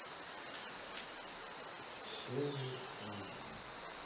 серый фон